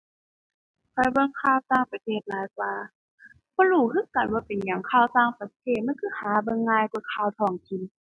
ข้อยเบิ่งข่าวต่างประเทศหลายกว่า บ่รู้คือกันว่าเป็นหยังข่าวต่างประเทศมันคือหาเบิ่งง่ายกว่าข่าวท้องถิ่น